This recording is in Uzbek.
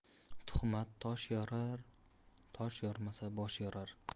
tuhmat tosh yorar tosh yormasa bosh yorar